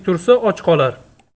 tursa och qolar